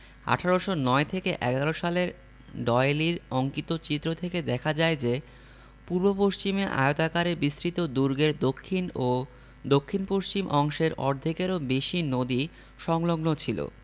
১৮০৯ থেকে ১১ সালের ডয়েলীর অঙ্কিত চিত্র থেকে দেখা যায় যে পূর্ব পশ্চিমে আয়তাকারে বিস্তৃত দুর্গের দক্ষিণ ও দক্ষিণপশ্চিম অংশের অর্ধেকেরও বেশি নদী সংলগ্ন ছিল